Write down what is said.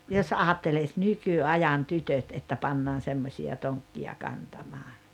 jos ajattelisi nykyajan tytöt että pannaan semmoisia tonkkia kantamaan